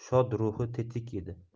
shod ruhi tetik edi